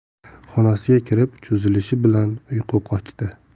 xonasiga kirib cho'zilishi bilan uyqu qochdi